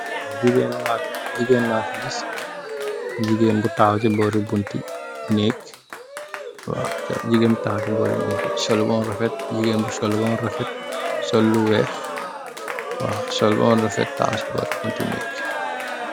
Gigeen la fi ngis, gigeen bu taxaw ci bóri butti nèk, solu bam rafet sol lu wèèx.